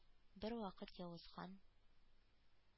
Бервакыт явыз хан